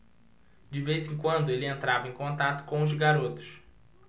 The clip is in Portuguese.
de vez em quando ele entrava em contato com os garotos